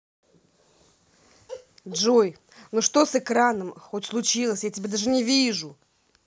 джой ну что с экраном хоть случилось я тебя даже не вижу